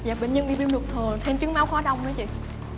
dạ bệnh nhân bị viêm ruột thừa thêm chứng máu khó đông nữa chị